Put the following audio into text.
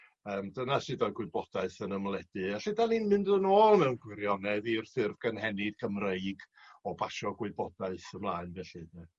yym dyna sydd sud ma'r gwybodaeth yn ymledu a 'lly 'dan ni'n mynd n ôl mewn gwirionedd i'r ffurf gynhenid Cymreig o basio gwybodaeth ymlaen felly 'de.